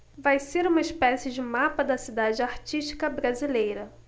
vai ser uma espécie de mapa da cidade artística brasileira